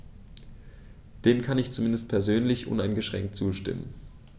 Dem kann ich zumindest persönlich uneingeschränkt zustimmen.